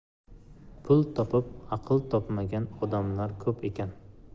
pul topib aql topmagan odamlar ko'p ekan